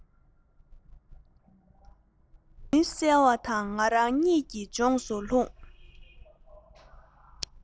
མུན གསལ བ དང ང རང གཉིད ཀྱི ལྗོངས སུ ལྷུང